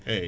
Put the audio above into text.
eyyi